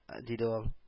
— диде ул